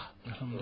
alxamdulilaa